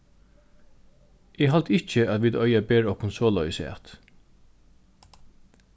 eg haldi ikki at vit eiga at bera okkum soleiðis at